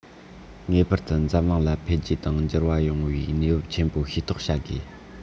ངེས པར དུ འཛམ གླིང ལ འཕེལ རྒྱས དང འགྱུར བ ཡོང བའི གནས བབ ཆེན པོ ཤེས རྟོགས བྱ དགོས